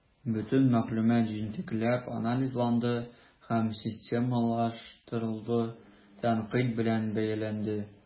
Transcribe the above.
Бөтен мәгълүмат җентекләп анализланды һәм системалаштырылды, тәнкыйть белән бәяләнде.